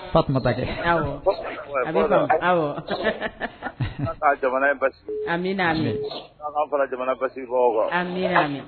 Fatumata kɛ, awɔ, a bɛ faamu Ala ka jamana in basigi, amina, Ala k’anw fara jamana basigibaaw kan, amina, amina.